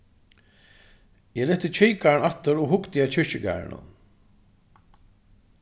eg lyfti kikaran aftur og hugdi at kirkjugarðinum